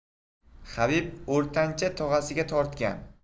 habib o'rtancha tog'asiga tortgan